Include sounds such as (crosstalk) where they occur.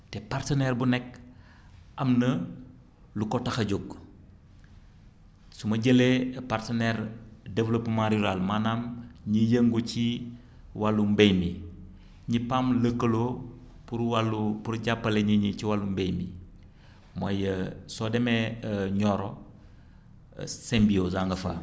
te partenaire bu nekk (breath) am nga lu ko tax a jóg su ma jëlee partenaire développement rural maanaam ñiy yëngu ci wàllum mbay mi ñi PAM lëkkaloo pour wàllu pour jàppale nit ñi ci wàllum mbay mi mooy (hesitation) soo demee (hesitation) Nioro Symbiose a nga fa